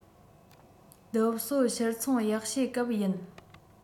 རྡོ སོལ ཕྱིར ཚོང ཡག ཤོས སྐབས ཡིན